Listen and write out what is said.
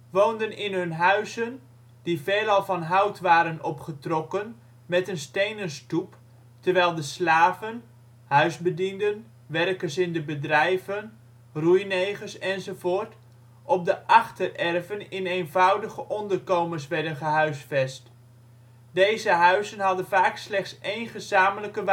woonden in hun huizen die veelal van hout waren opgetrokken met een stenen stoep, terwijl de slaven (huisbedienden, werkers in de bedrijven, roeinegers enz.) op de achtererven in eenvoudige onderkomens werden gehuisvest. Deze huizen hadden vaak slechts één gezamenlijke